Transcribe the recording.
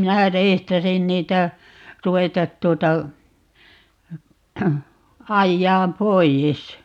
'minä "reistasin 'niitä, "ruvetat 'tuota, 'ajjaam "poijes.